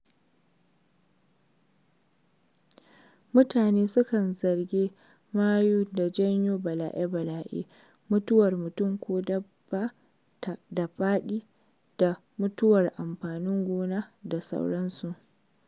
Mutane su kan zargi mayun da janyo bala'e-bala'e: mutuwar mutum ko dabba da fari da mutuwar amfanin gona da sauransu.